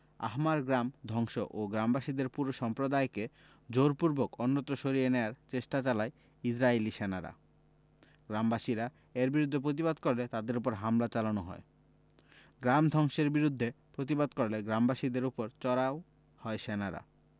Ahmar গ্রাম ধ্বংস ও গ্রামবাসীদের পুরো সম্প্রদায়কে জোরপূর্বক অন্যত্র সরিয়ে নেয়ার চেষ্টা চালায় ইসরাইলি সেনারা গ্রামবাসীরা এর বিরুদ্ধে প্রতিবাদ করলে তাদের ওপর হামলা চালানো হয় গ্রাম ধ্বংসের বিরুদ্ধে প্রতিবাদ করলে গ্রামবাসীদের ওপর চড়াও হয় সেনারা